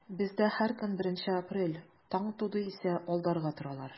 Бездә һәр көн беренче апрель, таң туды исә алдарга торалар.